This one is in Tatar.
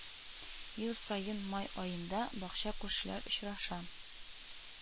Ел саен май аенда бакча күршеләр очраша